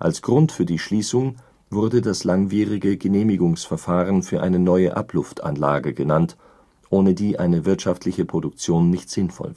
Als Grund für die Schließung wurde das langwierige Genehmigungsverfahren für eine neue Abluftanlage genannt, ohne die eine wirtschaftliche Produktion nicht sinnvoll